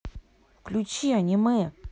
включи аниме